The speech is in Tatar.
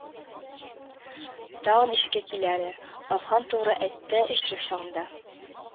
Тагын ишеккә киләләр, алхан тугры эттәй ишек сагында